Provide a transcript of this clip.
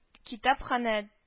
Китапханә